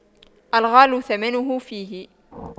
الغالي ثمنه فيه